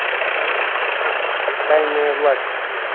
тайная власть